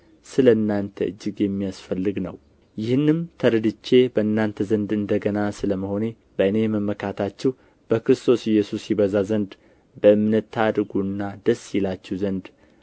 ስለ እናንተ እጅግ የሚያስፈልግ ነው ይህንንም ተረድቼ በእናንተ ዘንድ እንደ ገና ስለ መሆኔ በእኔ መመካታችሁ በክርስቶስ ኢየሱስ ይበዛ ዘንድ በእምነት ታድጉና ደስ ይላችሁ ዘንድ